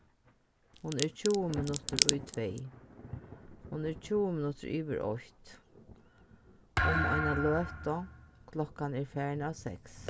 hon er tjúgu minuttir í tvey hon er tjúgu minuttir yvir eitt um eina løtu klokkan er farin av seks